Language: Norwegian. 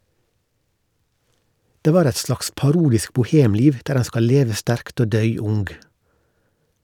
Det var eit slags parodisk bohemliv der ein skal leve sterkt og døy ung.